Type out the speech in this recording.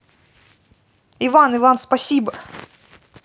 иван иван спасибо